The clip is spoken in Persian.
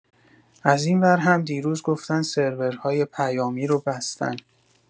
از اینور هم دیروز گفتن سرورهای پیامی رو بستن